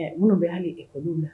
Ɛ minnu bɛ hali école u la